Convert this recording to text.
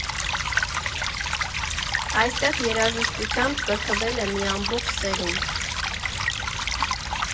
Այստեղ երաժշտությամբ կրթվել է մի ամբողջ սերունդ։